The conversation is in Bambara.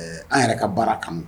An yɛrɛ ka baara kanu